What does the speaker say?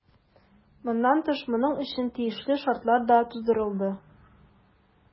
Моннан тыш, моның өчен тиешле шартлар да тудырылды.